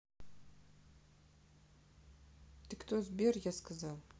ты кто сбер я сказал